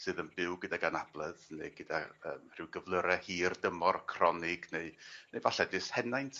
Sydd yn byw gydag anabledd neu gyda yym rhyw gyflyre hir dymor cronig neu neu falle jyst henaint